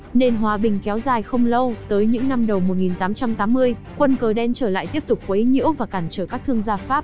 nền hòa bình kéo dài không lâu tới những năm đầu quân cờ đen trở lại tiếp tục quấy nhiễu và cản trở các thương gia pháp